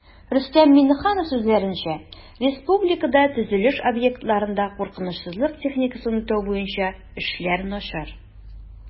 Рөстәм Миңнеханов сүзләренчә, республикада төзелеш объектларында куркынычсызлык техникасын үтәү буенча эшләр начар